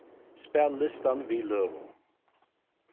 spæl listan við løgum